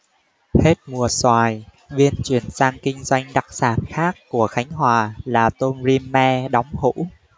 hết mùa xoài viên chuyển sang kinh doanh đặc sản khác của khánh hòa là tôm rim me đóng hũ